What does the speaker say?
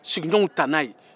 sigiɲɔgɔnw ta n'a